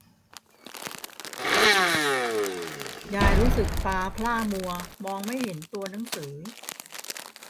ยายรู้สึกตาพร่ามัวมองไม่เห็นตัวหนังสือ